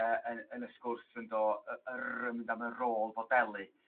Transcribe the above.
Yy yn yn y sgwrs yn do? Yr rr yn mynd am y rôl fodelu